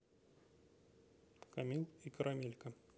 камил и карамелька